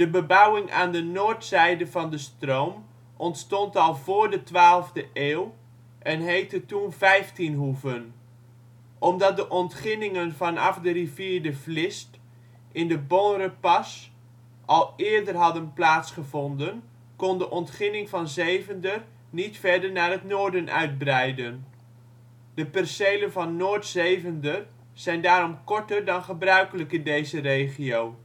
bebouwing aan de noordzijde van de stroom ontstond al vóór de 12e eeuw en heette toen Vijftienhoeven. Omdat de ontginningen vanaf de rivier de Vlist in de Bonrepas al eerder hadden plaatsgevonden, kon de ontginning van Zevender niet verder naar het noorden uitbreiden. De percelen van Noord-Zevender zijn daarom korter dan gebruikelijk in deze regio